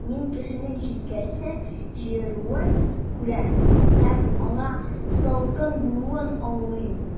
Мин кешенең җилкәсен җыеруын күрәм, һәм аңа салкын булуын аңлыйм.